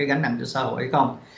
gánh nặng cho xã hội hay không